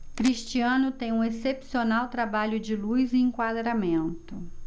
cristiano tem um excepcional trabalho de luz e enquadramento